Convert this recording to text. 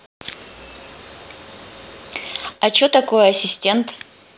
а че такое ассистент